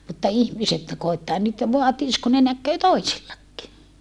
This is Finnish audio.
mutta ihmiset koettaa nyt vaatia kun ne näkee toisillakin